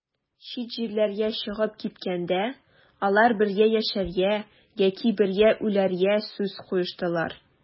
Чит җирләргә чыгып киткәндә, алар бергә яшәргә яки бергә үләргә сүз куештылар.